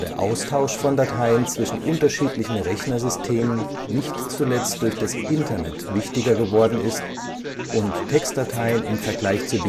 Austausch von Dateien zwischen unterschiedlichen Rechnersystemen nicht zuletzt durch das Internet wichtiger geworden ist und Textdateien im Vergleich zu